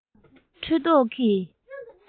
འཁྲུལ རྟོག གི